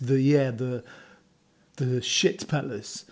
The, yeah... the shit palace.